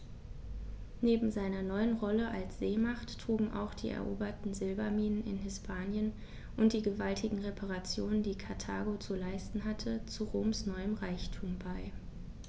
Neben seiner neuen Rolle als Seemacht trugen auch die eroberten Silberminen in Hispanien und die gewaltigen Reparationen, die Karthago zu leisten hatte, zu Roms neuem Reichtum bei.